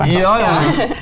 ja ja ja.